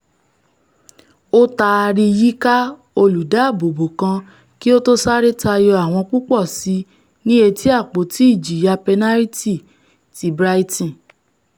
Ó taari yíka olùdáààbòbò kan kí ó tó sáré tayọ àwọn pupọ síi ni etí ̀apoti ìjìyà pẹnariti ti Brighton.